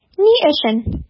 Ни өчен?